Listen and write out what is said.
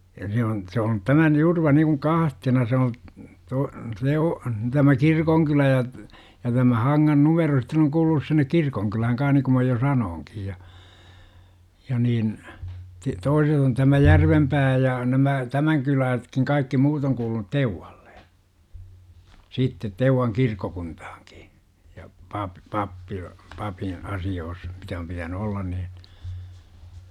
ja se on se on tämän Jurva niin kuin kahtena se on - se o tämä kirkonkylä ja ja tämä Hangan numero sitten on kuulunut sinne kirkonkylään kanssa niin kuin minä jo sanoinkin ja ja niin - toiset on tämä Järvenpää ja nämä tämän kylästäkin kaikki muut on kuulunut Teuvalle sitten Teuvan kirkkokuntaankin ja -- papille asioissa mitä on pitänyt olla niin